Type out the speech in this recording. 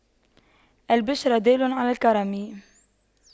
الْبِشْرَ دال على الكرم